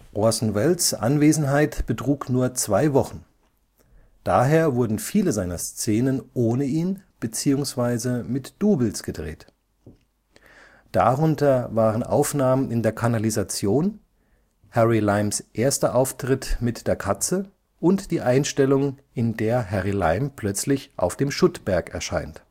Orson Welles’ Anwesenheit betrug nur zwei Wochen, daher wurden viele seiner Szenen ohne ihn bzw. mit Doubles gedreht. Darunter waren Aufnahmen in der Kanalisation, Harry Limes erster Auftritt mit der Katze und die Einstellung, in der Harry Lime plötzlich auf dem Schuttberg erscheint